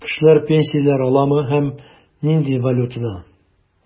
Кешеләр пенсияләр аламы һәм нинди валютада?